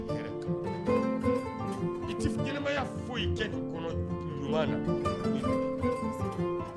I tɛ ɲɛnaya foyi i cɛ kɔnɔ na